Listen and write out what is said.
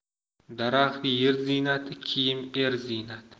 daraxt yer ziynati kiyim er ziynati